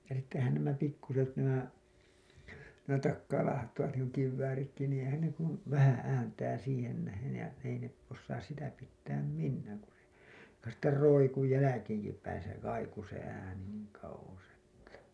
ja sittenhän nämä pikkuiset nämä nämä takaalaahattavat niin kuin kivääritkin niin eihän ne kuin vähän ääntää siihen nähden ja ei ne osaa sitä pitää minään kun se joka sitten roikkui jälkeenkinpäin se kaikui se ääni niin kauas että